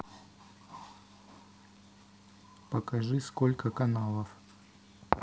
покажи сколько каналов